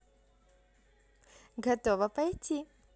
готово пойти